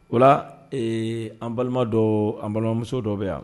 O laa ee an balima dɔɔ an balimamuso dɔ bɛ yan